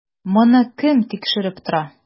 Моны кем тикшереп тора?